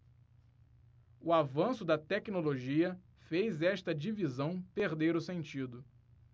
o avanço da tecnologia fez esta divisão perder o sentido